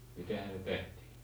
mitenhän se tehtiin